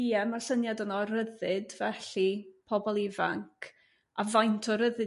Ie ma' syniad yno o ryddid felly pobol ifanc a faint o ryddid